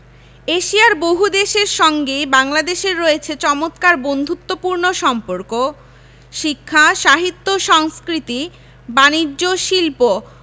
এশিয়ার বহুদেশের সঙ্গেই বাংলাদেশের রয়েছে চমৎকার বন্ধুত্বপূর্ণ সম্পর্ক শিক্ষা সাহিত্য সংস্কৃতি বানিজ্য শিল্প